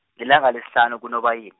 lilanga lesihlanu kuNobayeni.